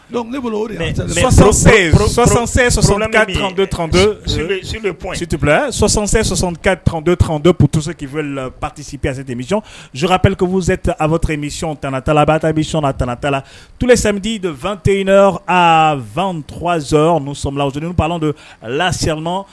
Sɔ situp sɔsɔ sɔ ka pto v la patisi ppsemic sokapkepz7te aptomicɔn tantalatabiy a tanta la tu sɛmdi vtey a2tz son' don a lasi